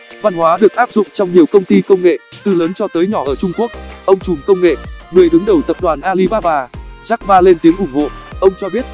văn hóa được áp dụng trong nhiều công ty công nghệ từ lớn cho tới nhỏ ở trung quốc ông trùm công nghệ người đứng đầu tập đoàn alibaba jack ma lên tiếng ủng hộ ông cho biết